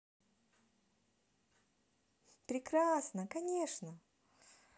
прекрасно конечно